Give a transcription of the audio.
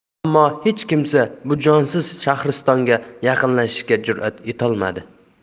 ammo hech kimsa bu jonsiz shahristonga yaqinlashishga jurat etolmadi